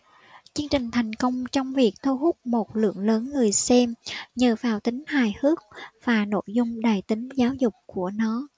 chương trình thành công trong việc thu hút một lượng lớn người xem nhờ vào tính hài hước và nội dung đầy tính giáo dục của nó